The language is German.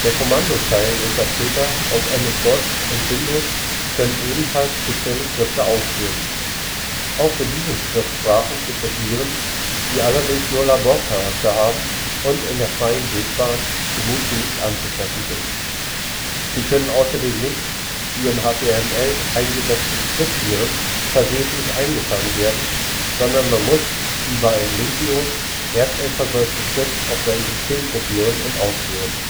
Kommandozeileninterpreter aus MS-DOS und Windows können ebenfalls spezielle Skripte ausführen. Auch für diese Skriptsprachen gibt es Viren, die allerdings nur Laborcharakter haben und in der „ freien Wildbahn “so gut wie nicht anzutreffen sind. Sie können außerdem nicht, wie in HTML eingebettete Skriptviren, versehentlich eingefangen werden, sondern man muss – wie bei einem Linkvirus – erst ein verseuchtes Skript auf sein System kopieren und ausführen